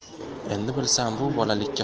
endi bilsam bu bolalikka